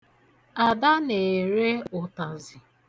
Ada na-ere ụtazị.